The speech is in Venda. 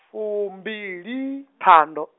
fumbili, phando.